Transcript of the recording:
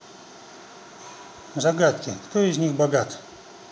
загадки кто из них богат